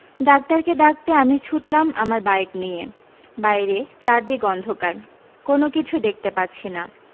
ডাক্তারকে ডাকতে আমি ছুটলাম আমার বাইক নিয়ে বাইরে চারিদিক অন্ধকার কোন কিছু দেখতে পাচ্ছি না